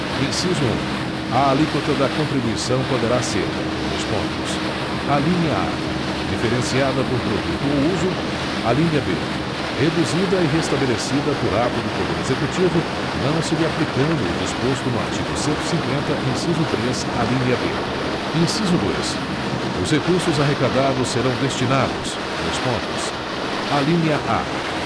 inciso um a alíquota da contribuição poderá ser dois pontos alínea a diferenciada por produto ou uso alínea b reduzida e restabelecida por ato do poder executivo não se lhe aplicando o disposto no artigo cento e cinquenta inciso três alínea b inciso dois os recursos arrecadados serão destinados dois pontos alínea a